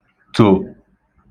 tò